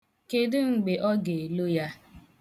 Kedu mgbe ọ ga-elo ya?